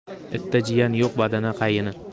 itda jiyan yo'q baqada qayin